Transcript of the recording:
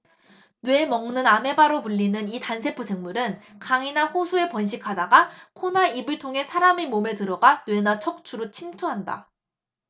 뇌 먹는 아메바로 불리는 이 단세포 생물은 강이나 호수에 번식하다가 코나 입을 통해 사람의 몸에 들어가 뇌나 척추로 침투한다